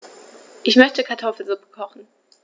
Ich möchte Kartoffelsuppe kochen.